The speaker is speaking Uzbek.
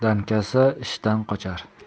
dangasa ishdan qochar